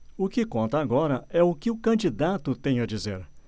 o que conta agora é o que o candidato tem a dizer